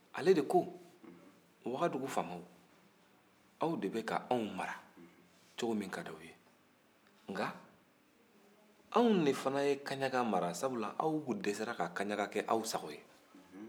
ale de ko wagadu faamaw aw de bɛk'anw mara cogo min ka d'aw ye nka anw de fana ye kaɲaga mara sabula aw dɛsɛra ka kaɲaga kɛ aw sago ye